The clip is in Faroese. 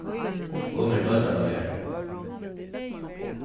hon er deildarleiðari